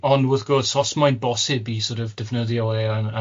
Ond wrth gwrs os mae'n bosib i sor' of defnyddio e yn yn